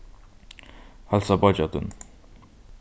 heilsa beiggja tínum